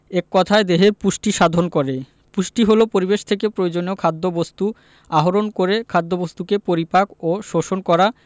এক কথায় দেহের পুষ্টি সাধন করে পুষ্টি হলো পরিবেশ থেকে প্রয়োজনীয় খাদ্যবস্তু আহরণ করে খাদ্যবস্তুকে পরিপাক ও শোষণ করা